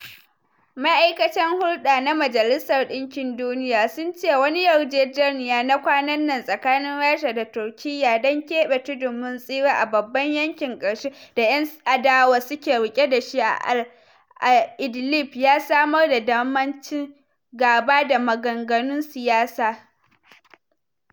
ma’aikatan hulɗa na Majalisar Dinkin Duniya sun ce wani yarjejeniya na kwanan nan tsakanin Rasha da Turkiya dan kebe tudun mun tsira a babban yankin karshe da ‘yan adawa suke rike da shi a Idlib ya samar da daman ci gaba da maganganun siyasa.